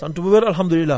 sant bu wér alxamdulilaa